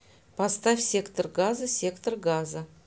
поставь сектор газа сектор газа